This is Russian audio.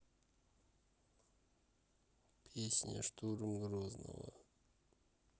песня штурм грозного